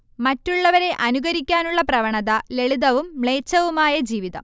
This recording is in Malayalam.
മറ്റുള്ളവരെ അനുകരിക്കാനുള്ള പ്രവണത ലളിതവും മ്ലേച്ഛവുമായ ജീവിതം